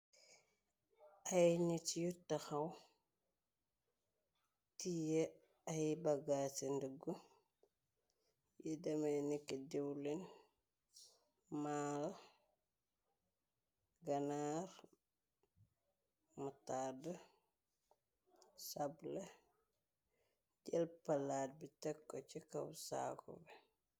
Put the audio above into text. Ay nit yu tahaw tiye ay baggaas ci ndëggu, yi demay niki diwleen, malo, ganar, mutardd, sablé. Jël palaat bi tekko ci kaw saaku bi.